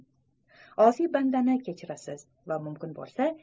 osiy bandani kechirasiz va mumkin bo'lsa